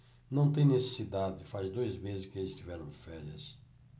não tem necessidade faz dois meses que eles tiveram férias